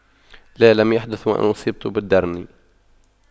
لا لم يحدث وأن اصبت بالدرن